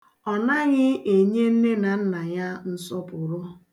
Ọ naghị enye nne na nna ya nsọpụrụ.